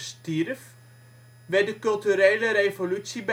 stierf werd de Culturele Revolutie